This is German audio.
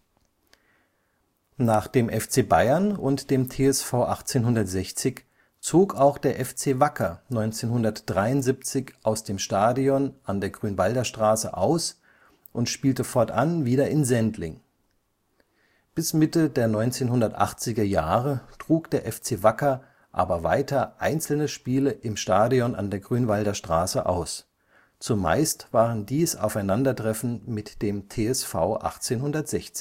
Nach dem FC Bayern und dem TSV 1860 zog auch der FC Wacker 1973 aus dem Stadion an der Grünwalder Straße aus und spielte fortan wieder in Sendling. Bis Mitte der 1980er Jahre trug der FC Wacker aber weiter einzelne Spiele im Stadion an der Grünwalder Straße aus, zumeist waren dies Aufeinandertreffen mit dem TSV 1860